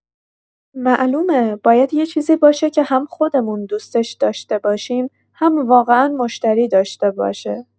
معلومه، باید یه چیزی باشه که هم خودمون دوستش داشته باشیم، هم واقعا مشتری داشته باشه.